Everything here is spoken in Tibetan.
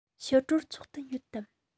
ཕྱི དྲོར ཚོགས ཐུན ཡོད དམ